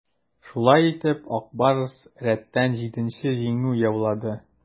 Шулай итеп, "Ак Барс" рәттән җиденче җиңү яулады.